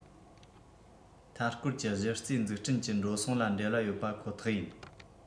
མཐའ སྐོར གྱི གཞི རྩའི འཛུགས སྐྲུན གྱི འགྲོ སོང ལ འབྲེལ བ ཡོད པ ཁོ ཐག ཡིན